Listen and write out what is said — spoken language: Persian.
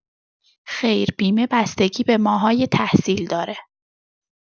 خیر بیمه بستگی به ماه‌های تحصیل داره